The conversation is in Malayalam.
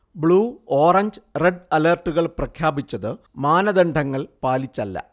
ബ്ലൂ, ഓറഞ്ച്, റെഡ് അലർട്ടുകൾ പ്രഖ്യാപിച്ചത് മാനദണ്ഡങ്ങൾ പാലിച്ചല്ല